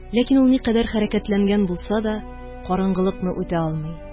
Ләкин ул никадәр хәрәкәтләнгән булса да, караңгылыкны үтә алмый